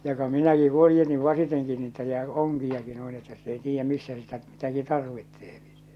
joka minäkin huojensin vasiten niitä ja onkiakin noin että sitten ei tiedä missä sitä mitäkin tarvitsee se